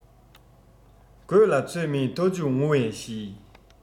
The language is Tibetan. དགོད ལ ཚོད མེད མཐའ མཇུག ངུ བའི གཞི